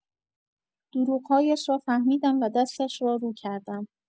دروغ‌هایش را فهمیدم و دستش را رو کردم.